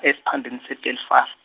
-sphandeni se- Belfast.